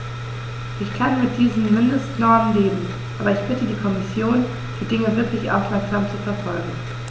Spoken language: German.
Ich kann mit diesen Mindestnormen leben, aber ich bitte die Kommission, die Dinge wirklich aufmerksam zu verfolgen.